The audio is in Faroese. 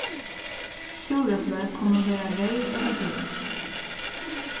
súrepli kunnu vera reyð ella grøn